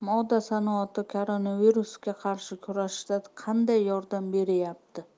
moda sanoati koronavirusga qarshi kurashda qanday yordam beryapti